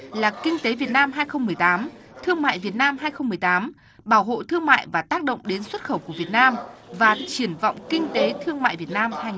là kinh tế việt nam hai không mười tám thương mại việt nam hai không mười tám bảo hộ thương mại và tác động đến xuất khẩu của việt nam và triển vọng kinh tế thương mại việt nam hai nghìn